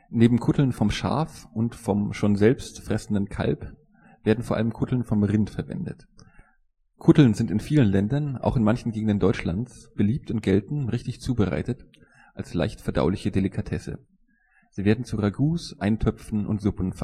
Neben Kutteln vom Schaf und vom schon selbst fressenden Kalb werden vor allem Kutteln vom Rind verwendet. Kutteln sind in vielen Ländern, auch in manchen Gegenden Deutschlands, beliebt und gelten - richtig zubereitet - als leichtverdauliche Delikatesse. Sie werden zu Ragouts, Eintöpfen und Suppen